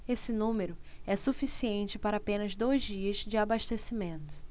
esse número é suficiente para apenas dois dias de abastecimento